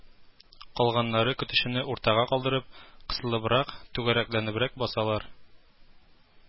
Калганнары, көтүчене уртага калдырып, кысылыбрак түгәрәкләнеп басалар